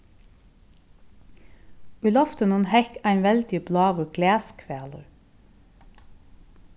í loftinum hekk ein veldigur bláur glashvalur